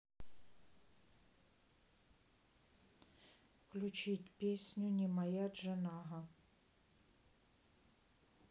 включить песню не моя джанага